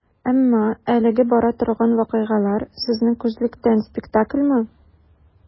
Әмма әлегә бара торган вакыйгалар, сезнең күзлектән, спектакльмы?